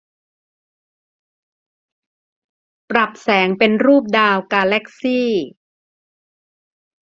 ปรับแสงเป็นรูปดาวกาแลกซี่